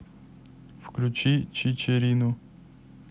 включи чичерину